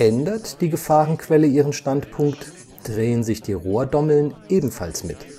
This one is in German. Ändert die Gefahrenquelle ihren Standpunkt, drehen sich die Rohrdommeln ebenfalls mit